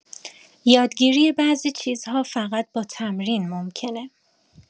یادگیری بعضی چیزها فقط با تمرین ممکنه